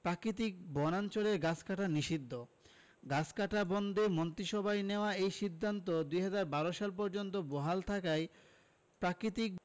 প্রাকৃতিক বনাঞ্চলের গাছ কাটা নিষিদ্ধ গাছ কাটা বন্ধে মন্ত্রিসভায় নেয়া এই সিদ্ধান্ত ২০২২ সাল পর্যন্ত বহাল থাকায় প্রাকৃতিক